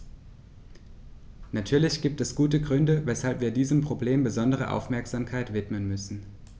Natürlich gibt es gute Gründe, weshalb wir diesem Problem besondere Aufmerksamkeit widmen müssen.